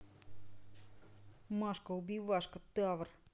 машка убивашка тавр